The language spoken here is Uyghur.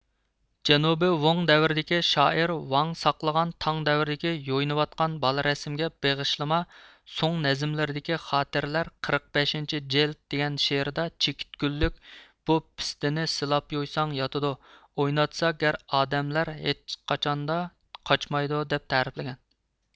جەنۇبىي ۋوڭ دەۋرىدىكى شائىر ۋاڭ ساقلىغان تاڭ دەۋرىدىكى يۇيۇنۇۋاتقان بالا رەسىمىگە بېغىشلىما سوڭ نەزمىلىرىدىكى خاتىرىلەر قىرىق بەشىنچى جىلىد دېگەن شېئىرىدا چېكىت گۈللۈك بۇ پىستىنى سىلاپ يۇيساڭ ياتىدۇ ئويناتسا گەر ئادەملەر ھېچقاچاندا قاچمايدۇ دەپ تەرىپلىگەن